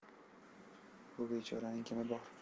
bu bechoraning kimi bor